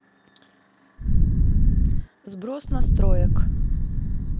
сброс настроек